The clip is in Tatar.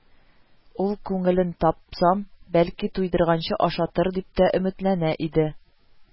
Ул, күңелен тапсам, бәлки туйдырганчы ашатыр дип тә өметләнә иде